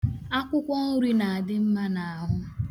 Akwụkwọ nri na-adị mma n'ahụ